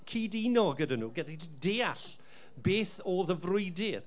cyd-uno gyda nhw, gallu deall beth oedd y frwydr.